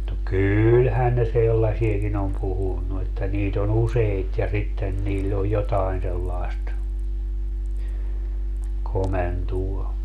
no kyllähän ne sellaisiakin on puhunut että niitä on useita ja sitten niillä on jotakin sellaista komentoa